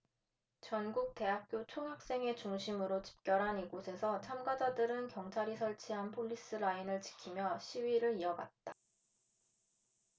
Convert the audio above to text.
전국 대학교 총학생회 중심으로 집결한 이곳에서 참가자들은 경찰이 설치한 폴리스라인을 지키며 시위를 이어갔다